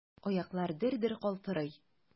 Аяклар дер-дер калтырый.